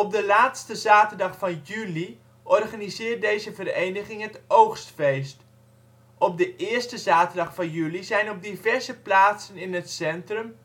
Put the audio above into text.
de laatste zaterdag van juli organiseert deze vereniging het Oogstfeest. Op de eerste zaterdag van juli zijn op diverse plaatsen in het centrum